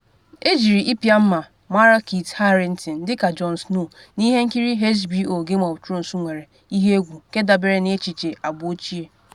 Ejiri ịpịa mma mara Kit Harrington dịka Jon Snow na ihe nkiri HBO Game of Thrones nwere ihe egwu nke dabere na echiche agba ochie.